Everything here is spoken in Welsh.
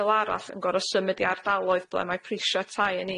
fel arall yn gor'o' symud i ardaloedd ble mae prishe tai yn